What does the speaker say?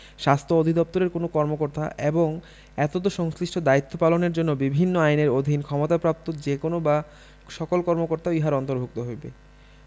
স্বাস্থ্য অধিদপ্তরের কোন কর্মকর্তা এবং এতদ্ সংশ্লিষ্ট দায়িত্ব পালনের জন্য বিভিন্ন আইনের অধীন ক্ষমতাপ্রাপ্ত যে কোন বা সকল কর্মকর্তাও ইহার অন্তর্ভুক্ত হইবে